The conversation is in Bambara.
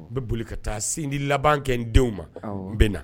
N bɛ boli ka taa sindi laban kɛ, n denw ma, awɔ, n bɛn na.